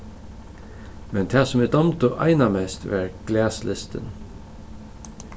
men tað sum vit dámdu einamest var glaslistin